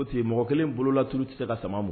Ote mɔgɔ kelen bolo lauru tɛ se ka sama ma